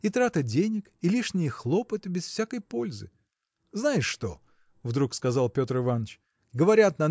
и трата денег, и лишние хлопоты без всякой пользы. – Знаешь что? – вдруг сказал Петр Иваныч – говорят